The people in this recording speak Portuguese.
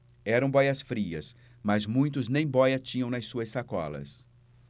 eram bóias-frias mas muitos nem bóia tinham nas suas sacolas